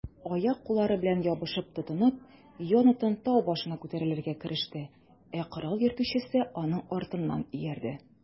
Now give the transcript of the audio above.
Аяк-куллары белән ябышып-тотынып, Йонатан тау башына күтәрелергә кереште, ә корал йөртүчесе аның артыннан иярде.